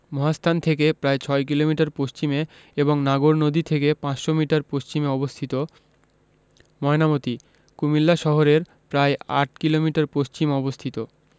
মহাস্থান থেকে প্রায় ৬ কিলোমিটার পশ্চিমে এবং নাগর নদী থেকে ৫০০ মিটার পশ্চিমে অবস্থিত ময়নামতি কুমিল্লা শহরের প্রায় ৮ কিলোমিটার পশ্চিমে অবস্থিত